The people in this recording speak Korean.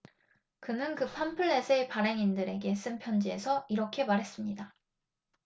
그는 그 팜플렛의 발행인들에게 쓴 편지에서 이렇게 말했습니다